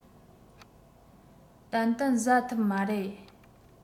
ཏན ཏན བཟའ ཐུབ མ རེད